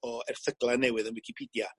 o erthygla newydd ym wicipedia.